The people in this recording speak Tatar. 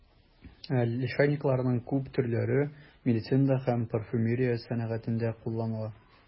Лишайникларның күп төрләре медицинада һәм парфюмерия сәнәгатендә кулланыла.